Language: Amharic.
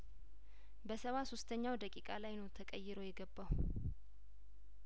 በሰባ ሶስተኛው ደቂቃ ላይነው ተቀይሮ የገባው